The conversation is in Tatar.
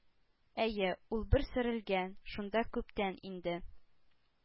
Әйе, ул бер сөрелгән; шунда күптән инде